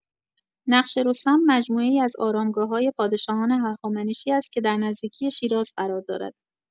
نقش رستم مجموعه‌ای از آرامگاه‌های پادشاهان هخامنشی است که در نزدیکی شیراز قرار دارد.